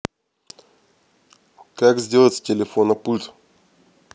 как сделать с телефона пульт